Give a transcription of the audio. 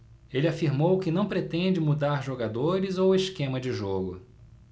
ele afirmou que não pretende mudar jogadores ou esquema de jogo